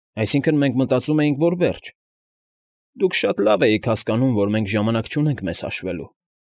Այսինքն՝ մենք մտածում էինք, որ վերջ։ Դուք շատ լավ էիք հասկանում, որ մենք ժամանակ չունենք մեզ հաշվելու։